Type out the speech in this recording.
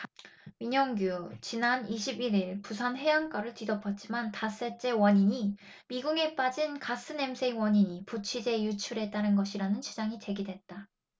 민영규 지난 이십 일 일 부산 해안가를 뒤덮었지만 닷새째 원인이 미궁에 빠진 가스 냄새의 원인이 부취제 유출에 따른 것이라는 주장이 제기됐다